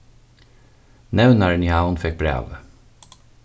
nevnarin í havn fekk brævið